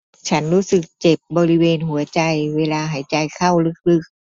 ฉันรู้สึกเจ็บบริเวณหัวใจเวลาหายใจเข้าลึกลึก